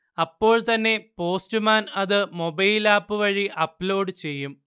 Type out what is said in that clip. അപ്പോൾത്തന്നെ പോസ്റ്റ്മാൻ അത് മൊബൈൽആപ്പ് വഴി അപ്ലോഡ് ചെയ്യും